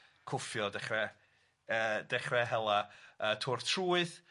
cwffio, dechre yy dechre hela y twrch trwyth